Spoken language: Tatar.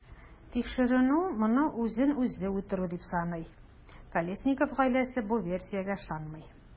Тикшеренү моны үзен-үзе үтерү дип саный, Колесников гаиләсе бу версиягә ышанмый.